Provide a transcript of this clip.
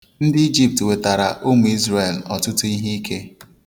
Ndị Ijipt wetara ụmụ Izrel ọtụtụ iheike.